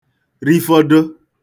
rifọdo